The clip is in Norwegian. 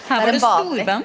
her var det storband.